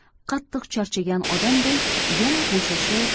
qattiq charchagan odamday yana bo'shashib